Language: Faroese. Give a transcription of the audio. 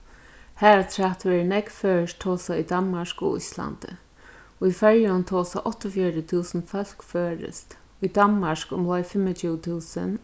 harafturat verður nógv føroyskt tosað í danmark og íslandi í føroyum tosa áttaogfjøruti túsund fólk føroyskt í danmark umleið fimmogtjúgu túsund